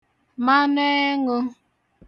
manụeṅū